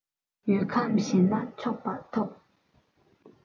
ཡུལ ཁམས གཞན ན མཆོད པ ཐོབ